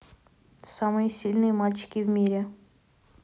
самые сильные мальчики в мире